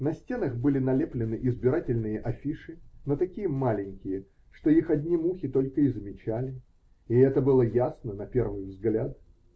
на стенах были налеплены избирательные афиши, но такие маленькие, что их одни мухи только и замечали, и это было ясно на первый взгляд.